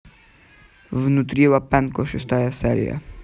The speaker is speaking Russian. внутри лапенко шестая серия